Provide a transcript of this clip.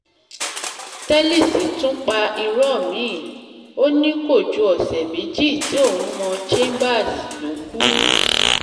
Tellis tún pa irọ́ mìíì. Ó ní kòju ọ̀sẹ̀ méjì tí òun mọ Chambers ló kú.